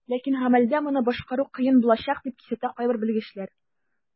Ләкин гамәлдә моны башкару кыен булачак, дип кисәтә кайбер белгечләр.